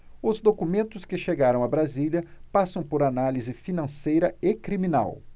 os documentos que chegaram a brasília passam por análise financeira e criminal